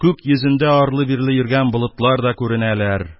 Күк йөзендә арлы-бирле йөргән болытлар да күренәләр.